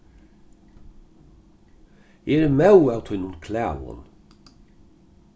eg eri móð av tínum klagum